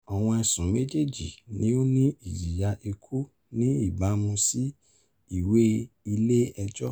Àwọn ẹ̀sùn méjèèjì ni ó ní ìjìyà ikú ní ìbámu sí ìwé ilé ẹjọ́